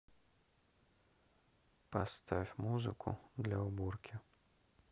поставь музыку для уборки